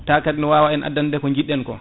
tawa kadi ina waw andande en ko jiɗɗen ko